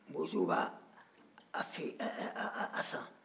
bosow b'a san